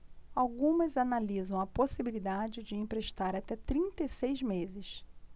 algumas analisam a possibilidade de emprestar até trinta e seis meses